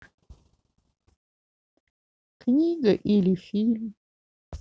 книга или фильм